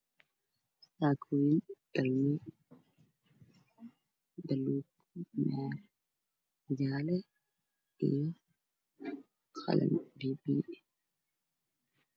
Waa sakooyin kala yihiin jaalle xataa waxay surin yihiin boombale hadalkiisa ay caadaan